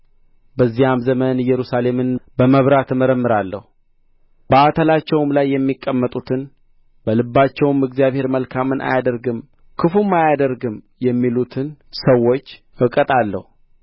በዚያም ዘመን ኢየሩሳሌምን በመብራት እመረምራለሁ በአተላቸውም ላይ የሚቀመጡትን በልባቸውም እግዚአብሔር መልካምን አያደርግም ክፉም አያደርግም የሚሉትን ሰዎች እቀጣለሁ